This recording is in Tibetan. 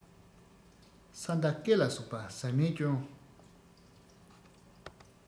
ས མདའ སྐེ ལ ཟུག པ ཟ མའི སྐྱོན